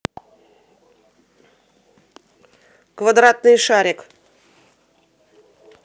квадратный шарик